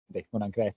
Yndy mae hwnna'n grêt.